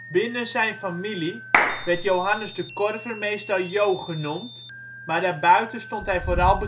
Binnen zijn familie werd Johannes de Korver meestal Jo genoemd, maar daarbuiten stond hij vooral